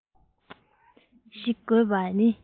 ཤིག དགོས པ ནི